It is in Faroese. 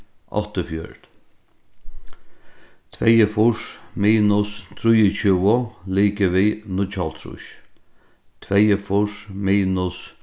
áttaogfjøruti tveyogfýrs minus trýogtjúgu ligvið níggjuoghálvtrýss tveyogfýrs minus